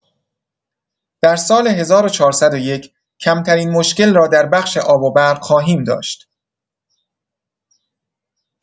در سال ۱۴۰۱ کمترین مشکل را در بخش آب و برق خواهیم داشت.